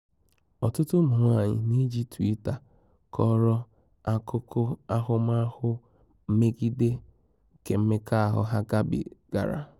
Ọtutụ ụmụ nwaanyị na-eji Twitter kọrọ akụkụ ahụmahụ mmegide kemmekọahu ha gabigara: